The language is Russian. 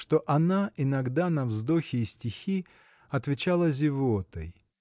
что она иногда на вздохи и стихи отвечала зевотой.